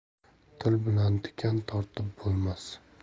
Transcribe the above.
til bilan tikan tortib bo'lmas